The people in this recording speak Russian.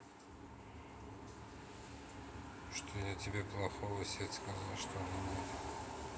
что я тебе плохого сет сказал что ли нет